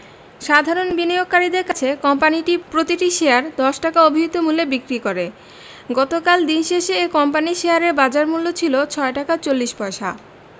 সাধারণ বিনিয়োগকারীদের কাছে কোম্পানিটি প্রতিটি শেয়ার ১০ টাকা অভিহিত মূল্যে বিক্রি করে গতকাল দিন শেষে এ কোম্পানির শেয়ারের বাজারমূল্য ছিল ৬ টাকা ৪০ পয়সা